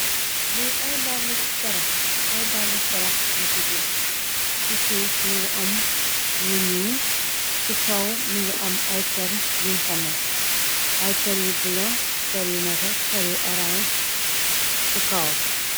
Li ay dall charah la, ay dall charah yu jigéen. Ci suf mu ngi am lu ñuul, ci kaw mu ngi am ay perr yun fannas. Ay perr yu bulo, per yu nete, per yu orance ci kawam.